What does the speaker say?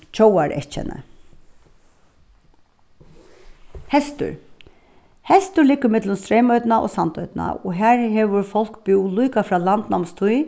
tjóðareyðkenni hestur hestur liggur millum streymoynna og sandoynna og har hevur fólk búð líka frá landnámstíð